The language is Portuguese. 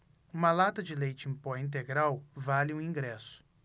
uma lata de leite em pó integral vale um ingresso